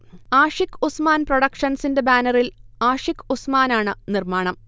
ആഷിക്ഉസ്മാൻ പ്രൊഡക്ഷൻസിന്റെ ബാനറിൽ ആഷിഖ് ഉസ്മാനാണ് നിർമാണം